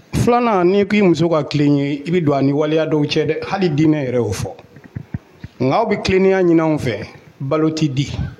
Filanan ni k ii muso ka tilen ye i bɛ don a ni waleya dɔw cɛ dɛ hali diinɛ yɛrɛ o fɔ nka bɛ tileninya ɲinanw fɛ balo tɛ di